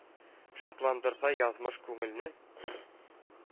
Шатландырса язмыш күңелне,